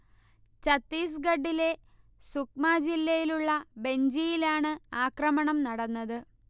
ഛത്തീസ്ഗഢിലെ സുക്മ ജില്ലയിലുള്ള ബെജ്ജിയിലാണ് ആക്രമണം നടന്നത്